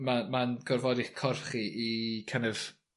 ma' ma'n gorfodi'ch corff chi i kin' of